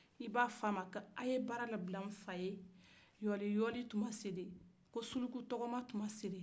i b'a ye a ye bara labila nfa ye yɔliyɔli tuma selen ko suluku tɔgɔma tuma selen